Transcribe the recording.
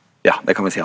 ja det kan vi si han.